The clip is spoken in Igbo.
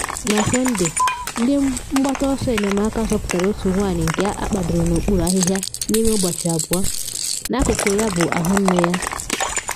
Na Sọnde, ndị mgbata ọsọ enyemaka zọpụtara otu nwanyị nke akpadoro n’okpuru ahịhịa n’ime ụbọchị abụọ, n’akụkụ ya bụ ahụ nne ya.